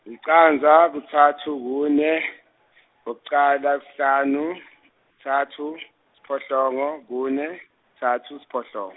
licandza, kutsatfu kune, kucala kuhlanu, tsatfu, siphohlongoo, kune, tsatfu, siphohlongo.